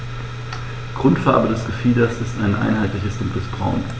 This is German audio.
Grundfarbe des Gefieders ist ein einheitliches dunkles Braun.